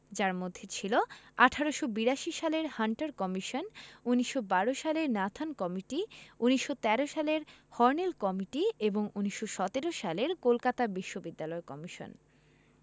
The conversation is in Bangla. যার মধ্যে ছিল ১৮৮২ সালের হান্টার কমিশন ১৯১২ সালের নাথান কমিটি ১৯১৩ সালের হর্নেল কমিটি এবং ১৯১৭ সালের কলকাতা বিশ্ববিদ্যালয় কমিশন